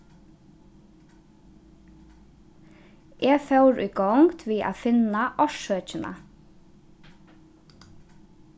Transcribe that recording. eg fór í gongd við at finna orsøkina